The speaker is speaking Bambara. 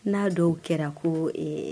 N'a dɔw kɛra ko